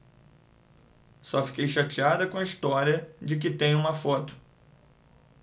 só fiquei chateada com a história de que tem uma foto